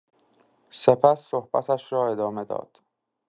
سپس صحبتش را ادامه داد.